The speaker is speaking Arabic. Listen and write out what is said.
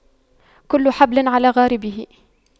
كل حبل على غاربه